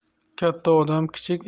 katta odam kichik